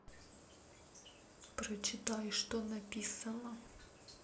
прочитай что написано